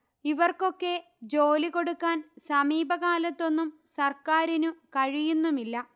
ഇവർക്കൊക്കെ ജോലി കൊടുക്കാൻ സമീപകാലത്തൊന്നും സർക്കാരിനു കഴിയുന്നുമില്ല